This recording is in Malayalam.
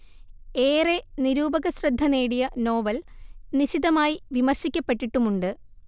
ഏറെ നിരൂപകശ്രദ്ധ നേടിയ നോവൽ നിശിതമായി വിമർശിക്കപ്പെട്ടിട്ടുമുണ്ട്